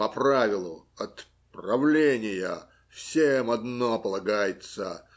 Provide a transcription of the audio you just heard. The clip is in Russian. По правилу, от правления всем одно полагается